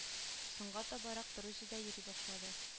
Соңга табарак берүзе дә йөри башлады